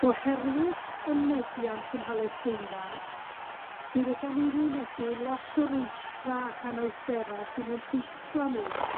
Oherwydd y meddiant ym Mhalesteina, mi fyddan ni'n wynebu lot o rwystra' ac anawstera sy'n 'yn rhwystro ni